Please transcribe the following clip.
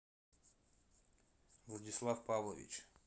владислав павлович